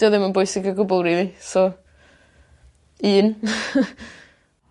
'di o ddim yn bwysig o gwbwl rili so un.